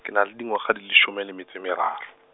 ke na le dingwaga di le some le metso e meraro.